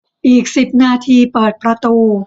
อีกสิบนาทีเปิดประตู